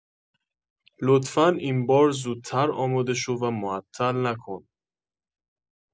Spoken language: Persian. لطفا این بار زودتر آماده شو و معطل نکن